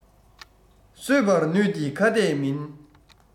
གསོད པར ནུས ཀྱི ཁྭ ཏས མིན